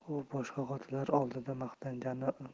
u boshqa xotinlar oldida maqtangani borardi